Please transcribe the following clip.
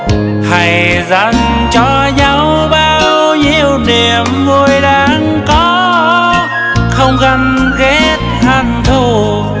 hãy dành cho nhau bao nhiêu niềm vui đang có không ganh ghét hận thù